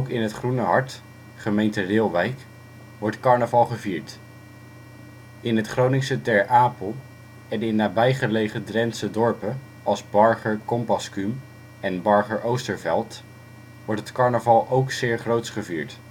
in het groene hart, gemeente Reeuwijk, wordt carnaval gevierd. In het Groningse Ter Apel en in nabijgelegen Drentse dorpen als Barger-Compascuum en Barger-Oosterveld wordt het carnaval ook zeer groots gevierd